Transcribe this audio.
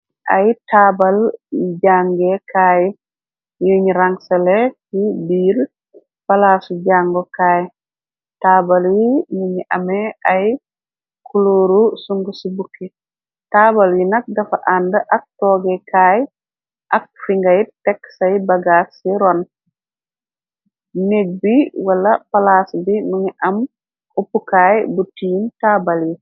Ay taabal jànge kaay yuñ rangsale ci biir palaasu jàngu kaay taabal yi mu ñi ame ay kulóoru sung ci bukki taabal yi nag dafa àndak tooge kaay ak fingay tekk say bagaak ciron neg bi wala palaas bi muni am uppu kaay bu tiin taabal yi.